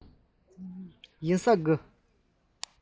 ཡིན གྱི རེད